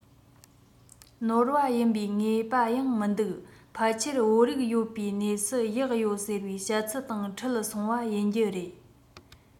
ནོར བ ཡིན པའི ངེས པ ཡང མི འདུག ཕལ ཆེར བོད རིགས ཡོད པའི གནས སུ གཡག ཡོད ཟེར བའི བཤད ཚུལ དང འཁྲུག སོང བ ཡིན རྒྱུ རེད